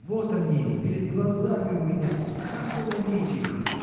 вот они, перед глазами у меня: как уловить их?.